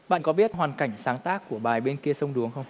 bạn có biết hoàn cảnh sáng tác của bài bên kia sông đuống không